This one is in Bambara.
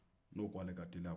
n'o ko ale ka teli